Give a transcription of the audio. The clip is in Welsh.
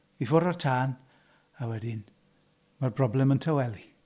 I ffwrdd o'r tân, a wedyn, mae'r broblem yn tawelu.